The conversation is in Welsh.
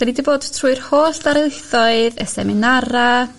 'da ni di bod trwy'r holl darlithoedd e seminara as-